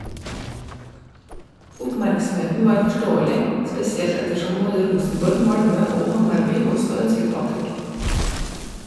Oppmerksomheten var forståelig, spesielt ettersom både Rosenborg, Malmö og Hammarby også ønsket Patrik.